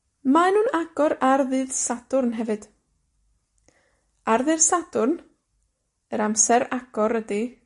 Mae nw'n agor ar ddydd Sadwrn hefyd. Ar ddydd Sadwrn yr amser agor ydi